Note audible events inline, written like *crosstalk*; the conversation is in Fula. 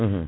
*hesitation* *hesitation*